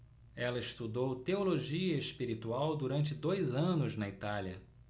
ela estudou teologia espiritual durante dois anos na itália